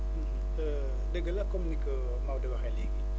d¨égg la comme ni ko maodo waxee léegi